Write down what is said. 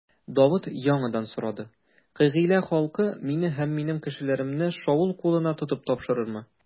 Давыт яңадан сорады: Кыгыйлә халкы мине һәм минем кешеләремне Шаул кулына тотып тапшырырмы?